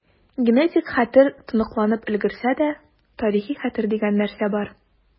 Генетик хәтер тоныкланып өлгерсә дә, тарихи хәтер дигән нәрсә бар.